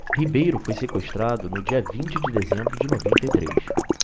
ribeiro foi sequestrado no dia vinte de dezembro de noventa e três